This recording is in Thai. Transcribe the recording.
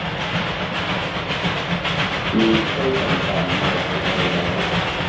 มีไข้ต่ำต่ำมาหลายวันแล้ว